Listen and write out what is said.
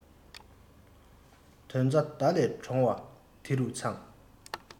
དོན རྩ མདའ ལས འདྲོང བ དེ རུ ཚང